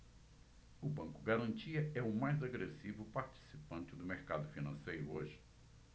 o banco garantia é o mais agressivo participante do mercado financeiro hoje